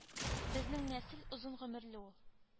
Безнең нәсел озын гомерле ул